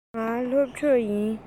ང སློབ ཕྲུག ཡིན